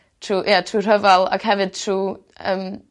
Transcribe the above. trw' ie trw' rhyfel ac hefyd trw' yym